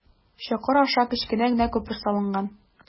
Чокыр аша кечкенә генә күпер салынган.